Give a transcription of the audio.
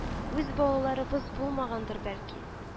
Үз балаларыбыз булмагангадыр бәлки